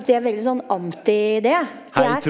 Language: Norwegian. de er veldig sånn anti det de er.